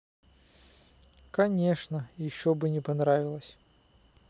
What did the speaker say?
конечно еще бы не понравилось